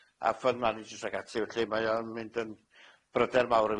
a fund manages ac ati. Felly mae o'n mynd yn bryder mawr i mi.